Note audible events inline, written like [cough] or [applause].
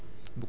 [hesitation] [hesitation]